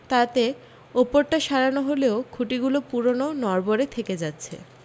তাতে ওপরটা সারানো হলেও খুঁটিগুলো পুরনো নড়বড়ে থেকে যাচ্ছে